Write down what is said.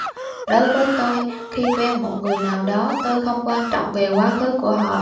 đối với tôi khi quen một người nào đó tôi không quan trọng về quá khứ của họ